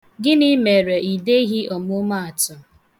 Gịnị mere i deghi ọmụmaatụ?